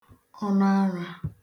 ọnụarā